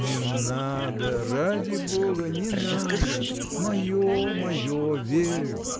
— Не надо, ради Бога, не надо: мое, мое, верю.